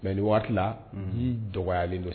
Mɛ ni waatila y'i dɔgɔyalen don